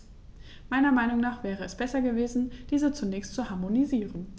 Meiner Meinung nach wäre es besser gewesen, diese zunächst zu harmonisieren.